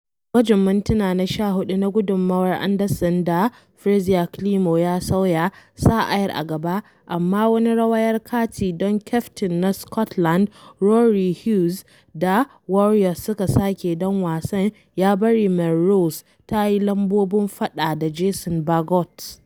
Gwajin mintina na 14 na gudunmawar Anderson, da Frazier Climo ya sauya, sa Ayr a gaba, amma, wani rawayar kati don kyaftin na Scotland Rory Hughes, da Warriors suka sake don wasan, ya bari Melrose ta yi lambobin faɗa da Jason Baggot